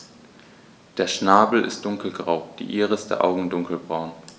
Der Schnabel ist dunkelgrau, die Iris der Augen dunkelbraun.